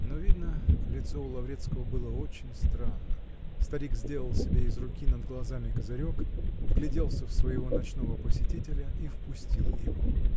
Но, видно, лицо у Лаврецкого было очень странно: старик сделал себе из руки над глазами козырек, вгляделся в своего ночного посетителя и впустил его.